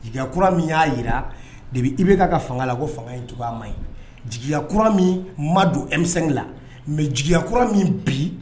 Jigikura min y'a jira de i bɛ ka fanga la ko fanga ma ɲi jigiyakura min ma don e mi la mɛ jigiyakura min bi